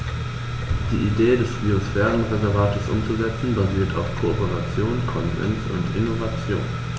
Die Idee des Biosphärenreservates umzusetzen, basiert auf Kooperation, Konsens und Innovation.